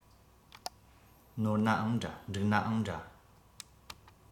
ནོར ནའང འདྲ འགྲིག ནའང འདྲ